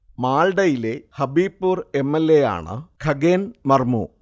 മാൽഡയിലെ Habibpur M. L. A യാണ് ഖഗേൻ മർമു